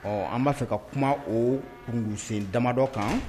Ɔ an b'a fɛ ka kuma o kunsen damadɔ kan